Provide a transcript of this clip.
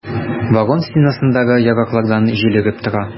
Вагон стенасындагы ярыклардан җил өреп тора.